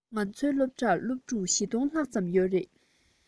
ང ཚོའི སློབ གྲྭར སློབ ཕྲུག ༤༠༠༠ ལྷག ཙམ ཡོད རེད